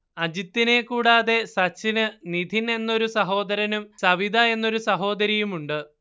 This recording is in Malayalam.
അജിത്തിനെ കൂടാതെ സച്ചിന് നിതിൻ എന്നൊരു സഹോദരനും സവിത എന്നൊരു സഹോദരിയുമുണ്ട്